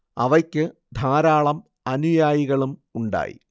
അവയ്ക്ക് ധാരാളം അനുയായികളും ഉണ്ടായി